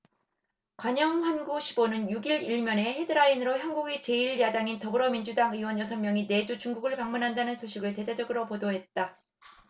관영 환구시보는 육 일 일 면 헤드라인으로 한국의 제 일 야당인 더불어민주당 의원 여섯 명이 내주 중국을 방문한다는 소식을 대대적으로 보도했다